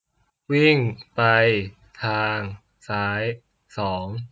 วิ่งไปทางซ้ายสอง